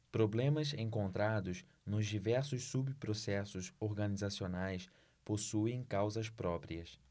problemas encontrados nos diversos subprocessos organizacionais possuem causas próprias